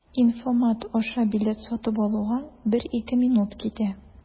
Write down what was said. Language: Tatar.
Инфомат аша билет сатып алуга 1-2 минут китә.